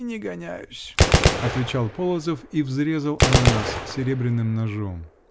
-- Не гоняюсь, -- отвечал Морозов и взрезал ананас серебряным ножом.